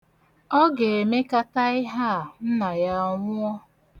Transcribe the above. Ọ ga-emekata ihe a nna ya anwụọ.